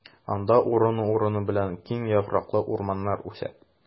Анда урыны-урыны белән киң яфраклы урманнар үсә.